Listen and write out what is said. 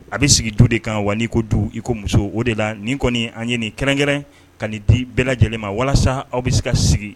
A bɛ sigi du de kan wa ni ko du iko muso o de la nin kɔni an ye kɛrɛnkɛrɛn ka di bɛɛ lajɛlen ma walasa aw bɛ se ka sigi